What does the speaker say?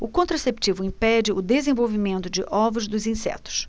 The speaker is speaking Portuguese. o contraceptivo impede o desenvolvimento de ovos dos insetos